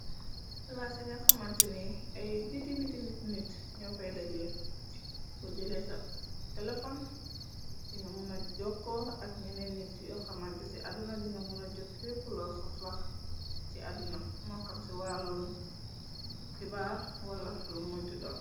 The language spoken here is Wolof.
Palas ci nga xamante ni ay niti niti nit nit ñoo fay dajee bu jëlee ca telefon di nga muna jokkoo ak ñenee nit yo xamante ci àdduna dinga muna jokk lepp lo soxlax ci àdduna moo xam ci wàllum xibaar wala lu mënti doon.